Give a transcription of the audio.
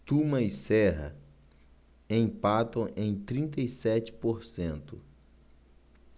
tuma e serra empatam em trinta e sete por cento